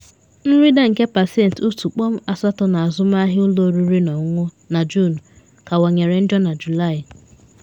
Nrịda nke pasentị 1.8 n’azụmahịa ụlọ oriri na ọṅụṅụ na Juun kawanyere njọ na Julai.